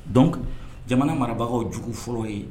Donc jamana marabagaw jugu fɔlɔ ye